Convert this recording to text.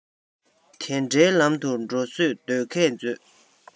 དེ འདྲའི ལམ དུ འགྲོ བཟོ སྡོད མཁས མཛོད